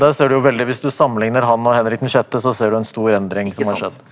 der ser du jo veldig hvis du sammenligner han og Henrik den sjette så ser du en stor endring som har skjedd.